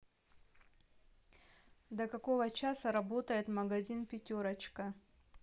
до какого часа работает магазин пятерочка